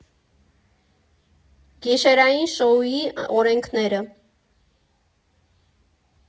Գիշերային շոուի օրենքները։